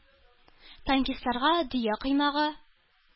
Танкистларга – дөя “коймагы”